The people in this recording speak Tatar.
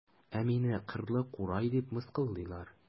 Ә мине кырлы курай дип мыскыллыйлар.